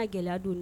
A gɛlɛya don